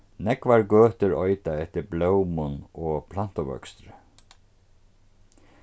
nógvar gøtur eita eftir blómum og plantuvøkstri